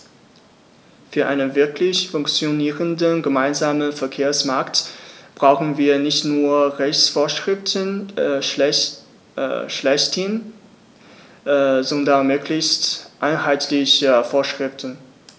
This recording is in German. Für einen wirklich funktionierenden gemeinsamen Verkehrsmarkt brauchen wir nicht nur Rechtsvorschriften schlechthin, sondern möglichst einheitliche Vorschriften.